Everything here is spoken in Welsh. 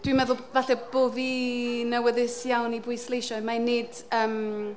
Dwi'n meddwl falle bo' fi'n awyddus iawn i bwysleisio mai nid yym